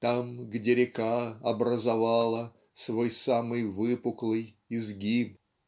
Там, где река образовала Свой самый выпуклый изгиб. .